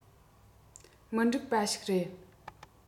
མི འགྲིག པ ཞིག རེད